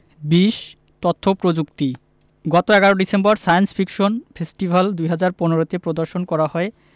২০ তথ্য প্রযুক্তি গত ১১ ডিসেম্বর সায়েন্স ফিকশন ফেস্টিভ্যাল ২০১৫ তে প্রদর্শন করা হয়